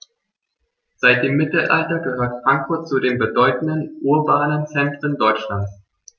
Seit dem Mittelalter gehört Frankfurt zu den bedeutenden urbanen Zentren Deutschlands.